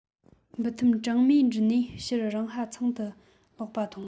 འབུ ཐུམ གྲངས མེད དྲུད ནས ཕྱིར རང ཧ ཚང དུ ལོག པ མཐོང